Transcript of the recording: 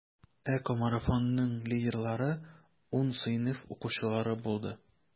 ЭКОмарафонның лидерлары 10 сыйныф укучылары булды.